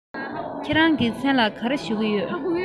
ཁྱེད རང གི མཚན ལ ག རེ ཞུ གི ཡོད